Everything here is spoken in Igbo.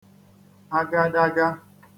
agadaga